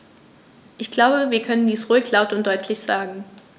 Ich glaube, wir können dies ruhig laut und deutlich sagen.